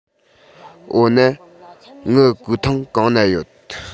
འོ ན ངའི གོས ཐུང གང ན ཡོད